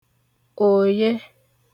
òye